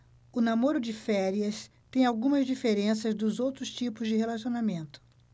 o namoro de férias tem algumas diferenças dos outros tipos de relacionamento